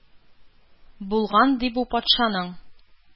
Булган, ди, бу патшаның.